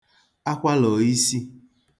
akwalà oisi